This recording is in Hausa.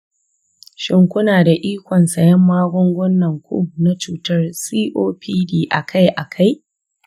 shin kuna da ikon siyan magungunanku na cutar copd a kai a kai?